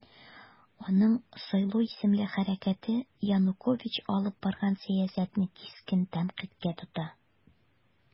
Аның "Сайлау" исемле хәрәкәте Янукович алып барган сәясәтне кискен тәнкыйтькә тота.